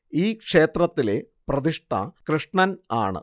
ഈ ക്ഷേത്രത്തിലെ പ്രതിഷ്ഠ കൃഷ്ണൻ ആണ്